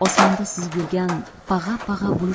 osmonda suzib yurgan pag'a pag'a bulut